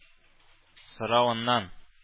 Соравыннан